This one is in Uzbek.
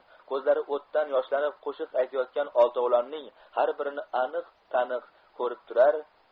ko'zlari o'tdan yoshlanib ko'shiq aytayotgan oltovlonning xar birini aniq taniq ko'rib turar